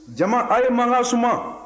jama a' ye mankan suma